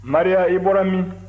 maria i bɔra min